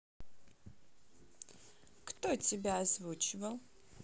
кто тебя озвучивал